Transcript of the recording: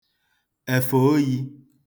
ẹ̀fè oyī